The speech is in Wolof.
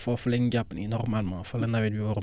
foofu lañ jàpp ni normalement fa la nawet wi war a